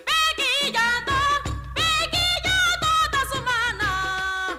Bɛɛ k'i janto tasuma la, bɛɛ k'i janto!